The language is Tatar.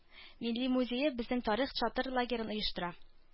Милли музее Безнең тарих чатыр лагерен оештыра.